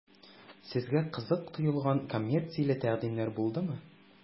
Сезгә кызык тоелган коммерцияле тәкъдимнәр булдымы?